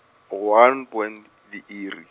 one point, diiri.